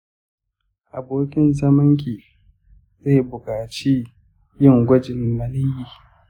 abokin zaman ki zai buƙaci yin gwajin maniyyi.